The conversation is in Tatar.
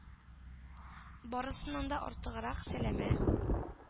Барысыннан да артыграк сәләмә